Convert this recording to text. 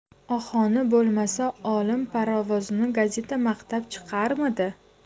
ohoni bo'lmasa olim parovozni gazeta maqtab chiqarmidi